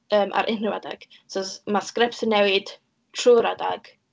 yym ar unrhyw adeg. So ma' sgripts yn newid trwy'r adeg.